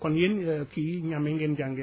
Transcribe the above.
kon yéen kii Niamey ngeen jàngee